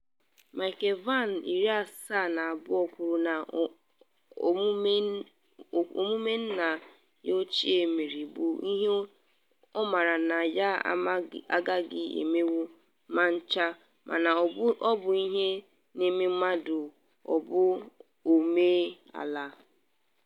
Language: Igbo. Michael Vann, 72 kwuru na omume nna ya ochie mere “bụ ihe ọ maara na ya agaghị emenwu ma ncha mana ọ bụ ihe na-eme mmadụ obi umeala.”